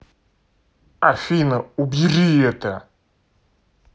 афина убери это